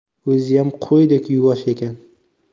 o'ziyam qo'ydek yuvosh ekan